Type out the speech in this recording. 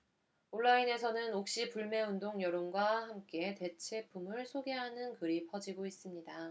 온라인에서는 옥시 불매운동 여론과 함께 대체품을 소개하는 글이 퍼지고 있습니다